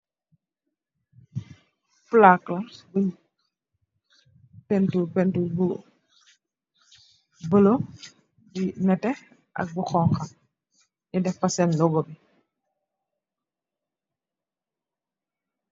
Flag la bunye painturr, paintur bu bulah neteh ak bu xhong kha nyu deff fa sen logo bi.